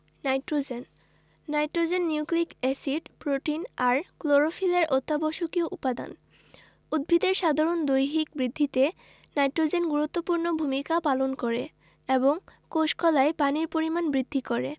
nitrogen nitrogen nucleic acid protein আর ক্লোরোফিলের অত্যাবশ্যকীয় উপাদান উদ্ভিদের সাধারণ দৈহিক বৃদ্ধিতে নাইট্রোজেন গুরুত্বপূর্ণ ভূমিকা পালন করে এবং কোষ কলায় পানির পরিমাণ বৃদ্ধি করে